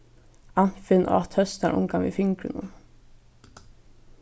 annfinn át høsnarungan við fingrunum